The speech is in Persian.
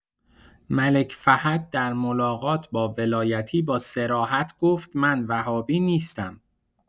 ملک فهد در ملاقات با ولایتی با صراحت گفت من وهابی نیستم.